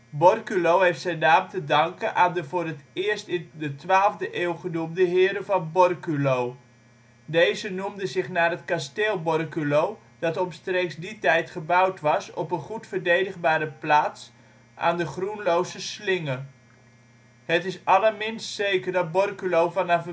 Borculo heeft zijn naam te danken aan de voor het eerst in de 12e eeuw genoemde heren van Borculo. Deze noemden zich naar het kasteel Borculo dat omstreeks die tijd gebouwd was op een goed verdedigbare plaats aan de Groenlose Slinge. Het is allerminst zeker dat Borculo vanaf